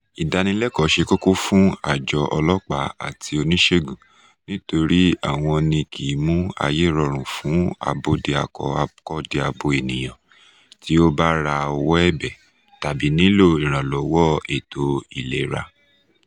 Ìdánilẹ́kọ̀ọ́ ṣe kókó fún àjọ ọlọ́pàá àti oníṣègùn nítorí àwọn ni kì í mú ayé rọrùn fún Abódiakọ-akọ́diabo ènìyàn tí ó bá ra ọwọ́ ẹ̀bẹ̀ tàbí nílò ìrànlọ́wọ́ ètò ìlera.